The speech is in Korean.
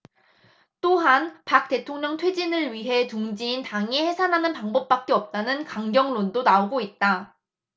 또한 박 대통령 퇴진을 위해 둥지인 당이 해산하는 방법밖에 없다는 강경론도 나오고 있다